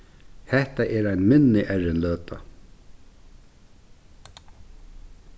hetta er ein minni errin løta